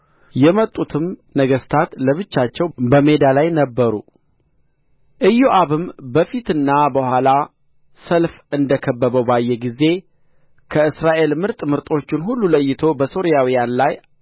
የመጡትም ነገሥታት ለብቻቸው በሜዳው ላይ በሩ ኢዮአብም በፊትና በኋላ ሰልፍ እንደ ከበበው ባየ ጊዜ ከእስራኤል ምርጥ ምርጦችን ሁሉ ለይቶ በሶርያውያን ላይ